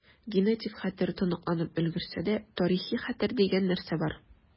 Генетик хәтер тоныкланып өлгерсә дә, тарихи хәтер дигән нәрсә бар.